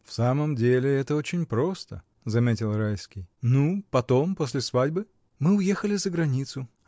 — В самом деле это очень просто! — заметил Райский. — Ну, потом, после свадьбы?. — Мы уехали за границу.